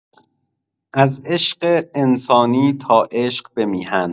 از عشق انسانی تا عشق به میهن